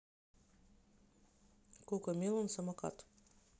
коко мелон самокат